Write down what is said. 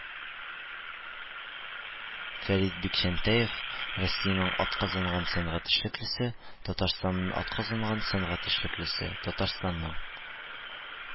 Фәрит Бикчәнтәев - Россиянең атказанган сәнгать эшлеклесе , Татарстанның атказанган сәнгать эшлеклесе, Татарстанның